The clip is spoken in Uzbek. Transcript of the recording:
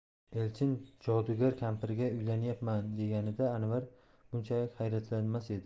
elchin jodugar kampirga uylanyapman deganida anvar bunchalik hayratlanmas edi